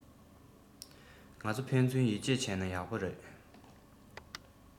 ང ཚོ ཕན ཚུན ཡིད ཆེད བྱེད ན ཡག པོ རེད